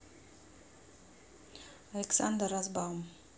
александр розбаум